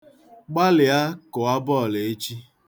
Gbalịa, kụọ bọọlụ echi.